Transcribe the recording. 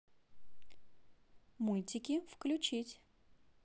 мультики включить